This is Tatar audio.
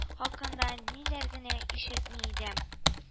Хакында ниләр генә ишетми иде